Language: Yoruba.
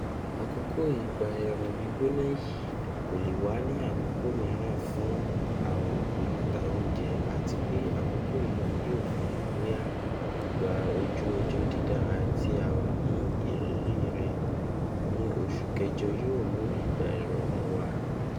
Akoko igba ẹrun gbigbona yii kole wa ni akoko miiran fun awọn oluta ounjẹ ati pe akoko ni yoo fihan boya igba oju ọjọ didara ti a o ni iriri rẹ ni oṣu kẹjọ yoo mu igba irọrun wa.’’